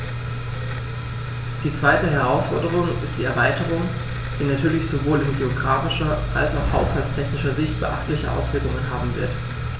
Die zweite Herausforderung ist die Erweiterung, die natürlich sowohl in geographischer als auch haushaltstechnischer Sicht beachtliche Auswirkungen haben wird.